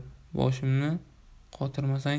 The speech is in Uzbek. boshimni qotirmasang chi